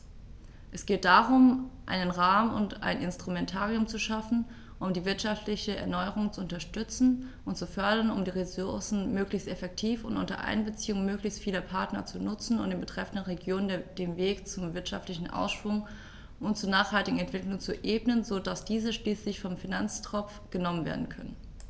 Es geht darum, einen Rahmen und ein Instrumentarium zu schaffen, um die wirtschaftliche Erneuerung zu unterstützen und zu fördern, um die Ressourcen möglichst effektiv und unter Einbeziehung möglichst vieler Partner zu nutzen und den betreffenden Regionen den Weg zum wirtschaftlichen Aufschwung und zur nachhaltigen Entwicklung zu ebnen, so dass diese schließlich vom Finanztropf genommen werden können.